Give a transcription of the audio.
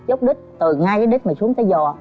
dốc đít từ ngay cái đít mà xuống tới giò